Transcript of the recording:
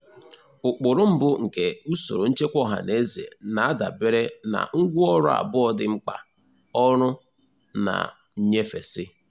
Ụkpụrụ mbụ nke usoro nchekwa ọhanaeze na-adabere na ngwaọrụ abụọ dị mkpa: ọrụ na nnyefesi.